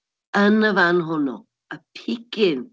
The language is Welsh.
Yn y fan hwnnw, y pigyn.